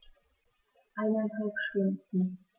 Eineinhalb Stunden